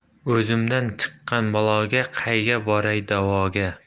o'zimdan chiqqan baloga qayga boray da'voga